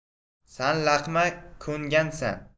san laqma ko'ngansan